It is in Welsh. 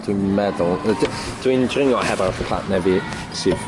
dwi'n meddwl. A 'na d- dwi'n dringo hefo'r partner fi sydd